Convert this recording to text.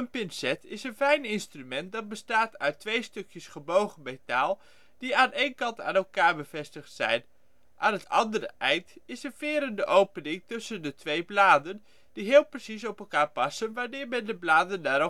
pincet is een fijn instrument dat bestaat uit twee stukjes gebogen metaal die aan een kant aan elkaar bevestigd zijn. Aan het andere eind is een verende opening tussen de twee bladen, die heel precies op elkaar passen wanneer men de bladen naar